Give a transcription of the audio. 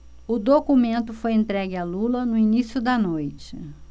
o documento foi entregue a lula no início da noite